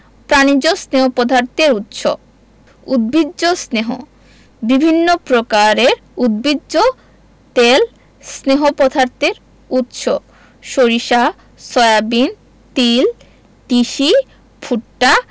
প্রাণিজ স্নেহ পদার্থে উৎস উদ্ভিজ্জ স্নেহ বিভিন্ন প্রকারের উদ্ভিজ তেল স্নেহ পদার্থের উৎস সরিষা সয়াবিন তিল তিসি ভুট্টা